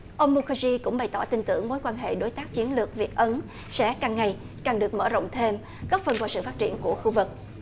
ông mu khơ ri cũng bày tỏ tin tưởng mối quan hệ đối tác chiến lược việt ấn sẽ càng ngày càng được mở rộng thêm góp phần vào sự phát triển của khu vực